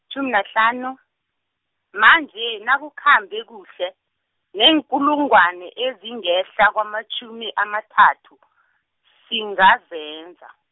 -tjhumi nahlanu, manje nakukhambe kuhle, neenkulungwana ezingehla kwama-tjhumi amathathu , singazenza.